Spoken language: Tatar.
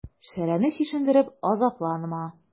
Шәрәне чишендереп азапланма.